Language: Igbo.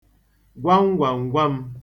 gwamgwàm̀gwam